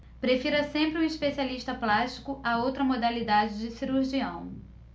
prefira sempre um especialista plástico a outra modalidade de cirurgião